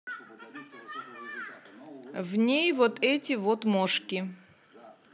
в ней вот эти вот мошки